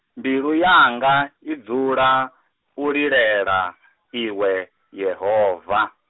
mbilu yanga, idzula, u lilela, iwe Yehova.